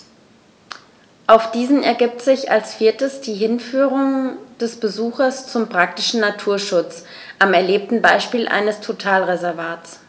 Aus diesen ergibt sich als viertes die Hinführung des Besuchers zum praktischen Naturschutz am erlebten Beispiel eines Totalreservats.